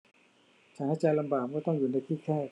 ฉันหายใจลำบากเมื่อต้องอยู่ในที่แคบ